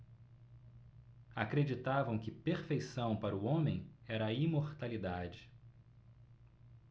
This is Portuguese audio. acreditavam que perfeição para o homem era a imortalidade